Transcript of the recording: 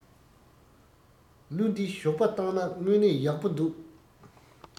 གླུ འདི ཞོགས པ བཏང ན སྔོན ནས ཡག པོ འདུག